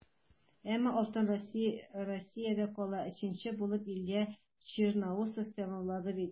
Әмма алтын Россиядә кала - өченче булып Илья Черноусов тәмамлады бит.